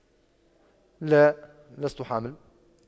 لا لست حامل